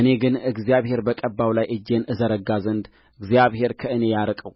እኔ ግን እግዚአብሔር በቀባው ላይ እጄን እዘረጋ ዘንድ እግዚአብሔር ከእኔ ያርቀው